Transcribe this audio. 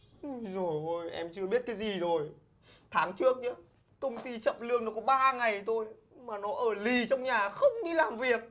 ui dồi ôi em chưa biết cái gì rồi tháng trước nhá công ty chậm lương nó có ngày thôi mà nó ở lỳ trong nhà không đi làm việc